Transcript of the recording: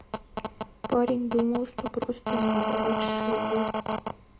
парень думал что просто у него болит шея